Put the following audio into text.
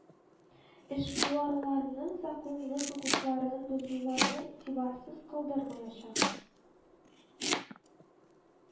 Эшкуарларның законлы хокукларын бозуларны игътибарсыз калдырмаячак